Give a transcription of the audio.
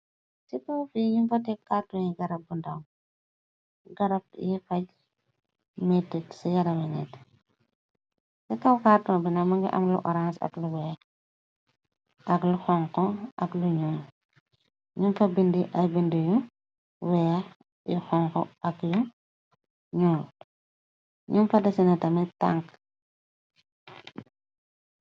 ci taw fi ñu fa te kàrtu yi garab bu ndaw garab yi faj metig ci yara winit ci kaw-karton bina mangi amlu horange akuweex ak lu xonko ak lu ñoo ñu fa bindi ay bind yu weex xñum fate sina tami tank